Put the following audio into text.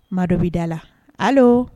Ma dɔ bɛ da la hali